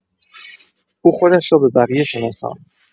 او خودش را به بقیه شناساند